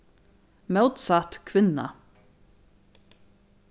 mótsatt kvinna